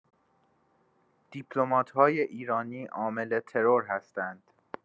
دیپلمات‌های ایرانی عامل ترور هستند.